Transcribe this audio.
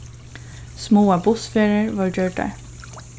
smáar bussferðir vórðu gjørdar